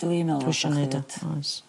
'Dwn ni'n medwl... oes.